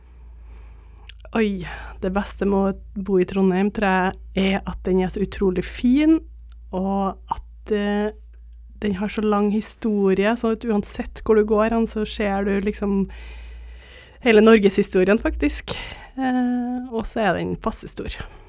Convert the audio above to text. oi det beste med å bo i Trondheim tror jeg er at den er så utrolig fin og at den har så lang historie sånn at uansett hvor du går hen så ser du liksom hele norgeshistorien faktisk og så er den passe stor.